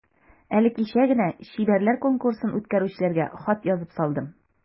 Әле кичә генә чибәрләр конкурсын үткәрүчеләргә хат язып салдым.